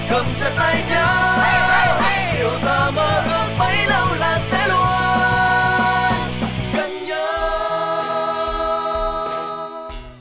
cầm chặt tay nhau điều ta mơ ước bấy lâu là sẽ luôn gần nhau